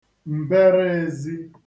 M̀berēēzī